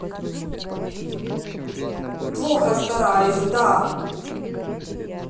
плохо стараюсь да